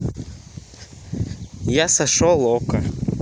я сошел okko